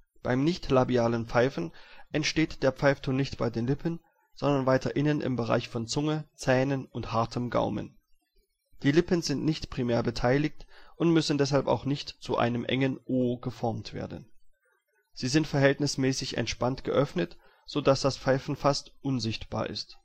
Beim nichtlabialen Pfeifen entsteht der Pfeifton nicht bei den Lippen, sondern weiter innen im Bereich von Zunge, Zähnen und hartem Gaumen. Die Lippen sind nicht primär beteiligt und müssen deshalb auch nicht zu einem engen O geformt werden. Sie sind verhältnismäßig entspannt geöffnet, so dass das Pfeifen fast „ unsichtbar “ist